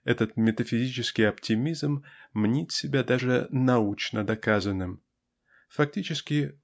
этот метафизический оптимизм мнит себя даже "научно доказанным". Фактически